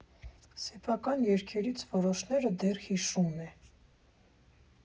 Սեփական երգերից որոշները դեռ հիշում է։